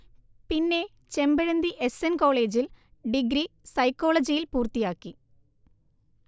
പിന്നെ, Chempazhanthy S N കോളജിൽ degree സൈക്കോളജിയിൽ പൂർത്തിയാക്കി